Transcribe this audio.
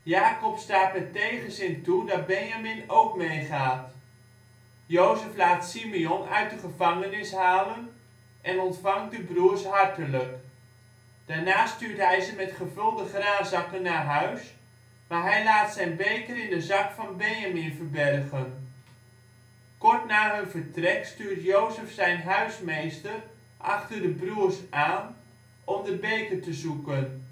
Jakob staat met tegenzin toe dat Benjamin ook meegaat. Jozef laat Simeon uit de gevangenis halen en ontvangt de broers hartelijk. Daarna stuurt hij ze met gevulde graanzakken naar huis, maar hij laat zijn beker in de zak van Benjamin verbergen. Kort na hun vertrek stuurt Jozef zijn huismeester achter de broers aan om de beker te zoeken